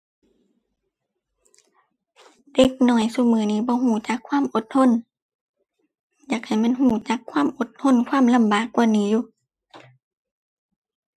เด็กน้อยซุมื้อนี้บ่รู้จักความอดทน อยากให้มันรู้จักความอดทน ความลำบากกว่านี้อยู่